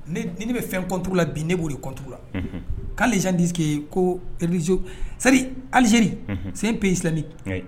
Ne bɛ fɛn kɔntu la bin ne b'o de kɔntu la k'alez tɛke ko z seri alizeri sen peyi siranni